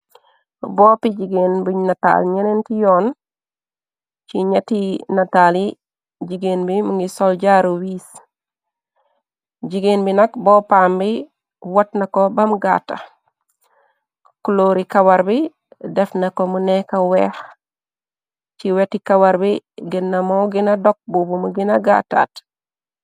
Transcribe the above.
Boppi jigéen buñ nataal ñeneenti yoon, ci ñeti nataali , jigéen bi mu ngi sol jaaru wiis. Jigéen bi nak boppaam bi wat nako bam gaata , kloori kawar bi def nako mu neeka weex, ci weti kawar bi ginna mo gina dokk bubumu gina gaataat.